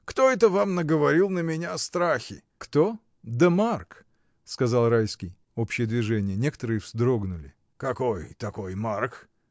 Кто это вам наговорил на меня страхи? — Кто? Да Марк, — сказал Райский. Общее движение. Некоторые вздрогнули. — Какой такой Марк?